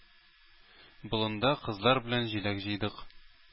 Болында кызлар белән җиләк җыйдык.